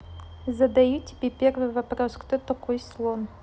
задаю тебе первый вопрос кто такой слон